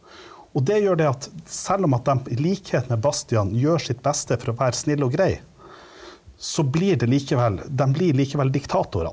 og det gjør det at selv om at dem i likhet med Bastian gjør sitt beste for å være snill og grei, så blir det likevel dem blir likevel diktatorene.